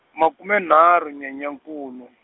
makume nharhu Nyenyankulu.